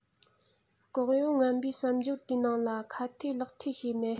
ལྐོག གཡོ ངན པའི བསམ སྦྱོར དེའི ནང ལ ཁ ཐེ ལག ཐེ བྱས མེད